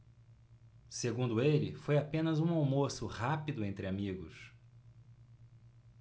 segundo ele foi apenas um almoço rápido entre amigos